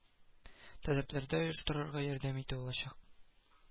Таләпләрдә оештырырга ярдәм итә алачак